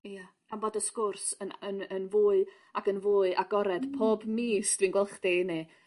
Ia am bod y sgwrs yn yn yn fwy ac yn fwy agored pob mis dwi'n gwel' chdi ne'